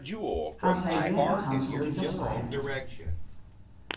hann segði at hann skuldi hjálpa henni